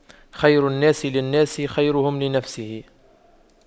خير الناس للناس خيرهم لنفسه